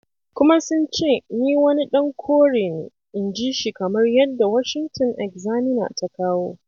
Kuma sun ce ni wani dan kore ne," inji shi kamar yadda Washington Examiner ta kawo.